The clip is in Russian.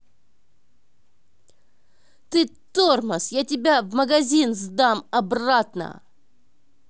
ты тормоз я тебя в магазин сдам обратно